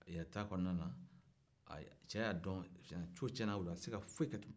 yɛrɛ ta kɔnɔna na cɛ y'a dɔn kow tiɲɛna a tɛ se ka foyi kɛ tugun